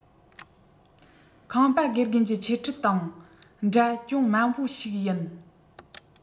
ཁང པ དགེ རྒན གྱི འཆད ཁྲིད དང འདྲ ཅུང དམའ མོ ཞིག ཡིན